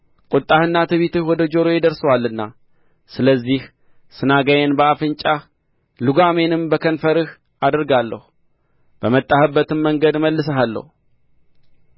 ቍጣህና ትዕቢትህ ወደጆሮዬ ደርሶአልና ስለዚህ ስናጋዬን በአፍንጫህ ልጓሜንም በከንፈርህ አደርጋለሁ በመጣህበትም መንገድ እመልስሃለሁ